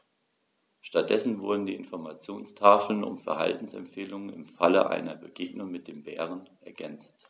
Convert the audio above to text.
Stattdessen wurden die Informationstafeln um Verhaltensempfehlungen im Falle einer Begegnung mit dem Bären ergänzt.